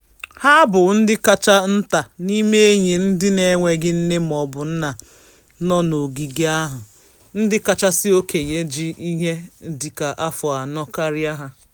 Ha bụ ndị kachasị nta n'ime enyi ndị n'enweghị nne mọọbụ nna nọ n'ogige ahụ; ndị kachasi okenye jị ihe dị ka afọ anọ karịa ha.